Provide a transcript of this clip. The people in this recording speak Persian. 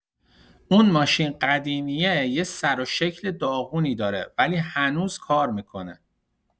اون ماشین قدیمیه یه سروشکل داغونی داره، ولی هنوز کار می‌کنه.